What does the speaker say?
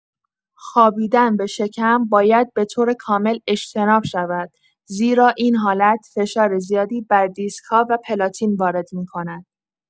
خوابیدن به شکم باید به‌طور کامل اجتناب شود، زیرا این حالت فشار زیادی بر دیسک‌ها و پلاتین وارد می‌کند.